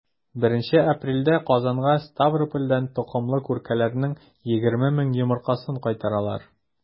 1 апрельдә казанга ставропольдән токымлы күркәләрнең 20 мең йомыркасын кайтаралар.